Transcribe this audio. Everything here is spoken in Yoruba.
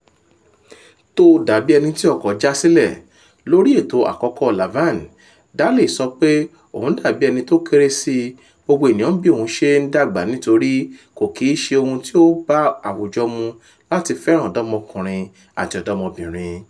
Tó dábí ẹní tí ọkọ̀ já sílẹ̀ lórí ètò àkọ́kọ́ Laverne, Daley sọ pé òun dàbí ẹni tó “kéré sí” gbogbo ènìyàn bí òwun ṣe ń dàgbà nítorí “kò kìíṣe ohun tí ó bá àwùjọ mu láti fẹ́ràn ọ̀dọ̀mọkùnrin àti ọ̀dọ̀mọ́bìnrin."